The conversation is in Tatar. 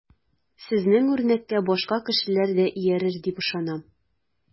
Сезнең үрнәккә башка кешеләр дә иярер дип ышанам.